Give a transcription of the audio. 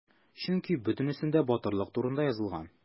Чөнки бөтенесендә батырлар турында язылган.